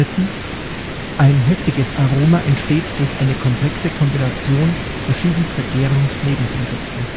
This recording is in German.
Ein hefiges Aroma entsteht durch eine komplexe Kombination verschiedenster Gärungsnebenprodukte